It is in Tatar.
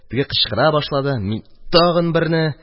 Теге кычкыра башлады, мин – тагын берне